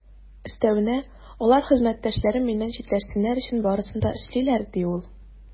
Өстәвенә, алар хезмәттәшләрем миннән читләшсеннәр өчен барысын да эшлиләр, - ди ул.